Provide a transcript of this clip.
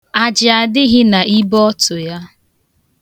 Ajị adịghị n' ibeọtụ ya.